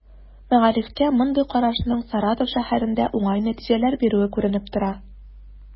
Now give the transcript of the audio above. Мәгарифкә мондый карашның Саратов шәһәрендә уңай нәтиҗәләр бирүе күренеп тора.